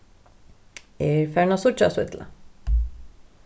eg eri farin at síggja so illa